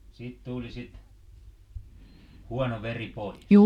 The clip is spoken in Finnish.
sitten tuli sitten huono veri pois